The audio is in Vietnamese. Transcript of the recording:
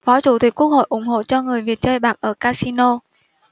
phó chủ tịch quốc hội ủng hộ cho người việt chơi bạc ở casino